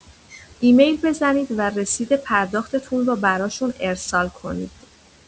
ایمیل بزنید و رسید پرداختتون رو براشون ارسال کنید.